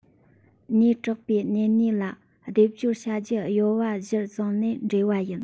ཉེ དྲགས པའི གཉེན ཉེ ལ སྡེབ སྦྱོར བྱ རྒྱུ གཡོལ བ གཞིར བཟུང ནས འགྲེལ བ ཡིན